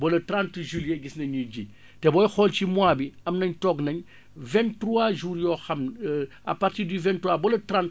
ba le 30 juillet gis nañ ñuy ji te booy xool ci mois bi am nañ toog nañ vingt jours yoo xam à partir du vingt trois ba le trante